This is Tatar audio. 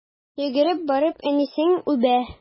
Йөгереп барып әнисен үбә.